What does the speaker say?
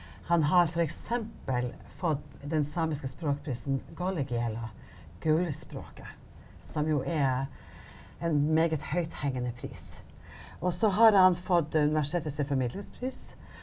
han har f.eks. fått den samiske språkprisen Gollegiella gullspråket som jo er en meget høythengende pris og så har han fått universitetet sin formidlingspris.